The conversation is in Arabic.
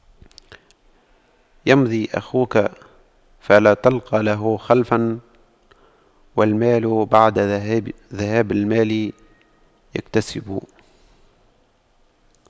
يمضي أخوك فلا تلقى له خلفا والمال بعد ذهاب المال يكتسب